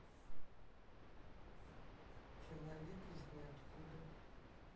человек из ниоткуда